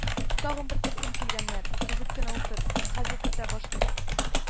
“тагын бер төркем килгәннәр, төзек кенә утыр, хәзер кертә башлыйм